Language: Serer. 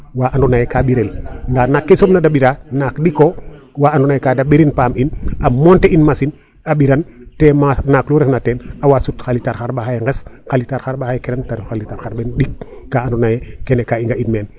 Wa andoona yee ka ɓirel ndaa naak ke soɓma da ɓira naak ɗik o wa andoona yee ka da ɓira naak ɗik o wa andoona yee ka ta ɓirin paam in .A monter in machine a ɓiran te ma naak nu refna ten a waa sut xa Litre xarɓaxay nqes xa litre xarɓaxay kirand ta ref xa litres xarɓen ɗik ka andoona yee kene ka i nga'in men.